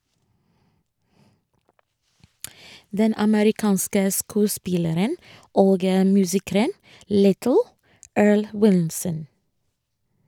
Den amerikanske skuespilleren og musikeren "Little" Earl Wilson.